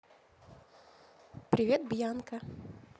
привет бьянка